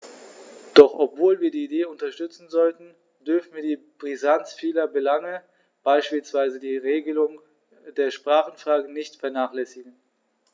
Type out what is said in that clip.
Doch obwohl wir die Idee unterstützen sollten, dürfen wir die Brisanz vieler Belange, beispielsweise die Regelung der Sprachenfrage, nicht vernachlässigen.